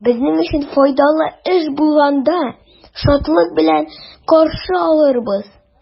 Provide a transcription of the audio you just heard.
Безнең өчен файдалы эш булганда, шатлык белән каршы алырбыз.